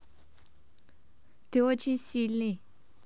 ты очень сильный